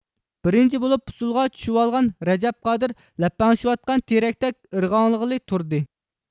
بىرىنچى بولۇپ ئۇسسۇلغا چۈشۈۋالغان رەجەپ قادىر لەپەڭشىۋاتقان تېرەكتەك ئىرغاڭلىغىلى تۇردى